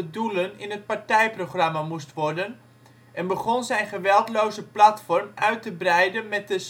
doelen in het partijprogramma moest worden en begon zijn geweldloze platform uit te breiden met de swadeshi